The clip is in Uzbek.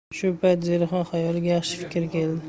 shu payt zelixon xayoliga yaxshi fikr keldi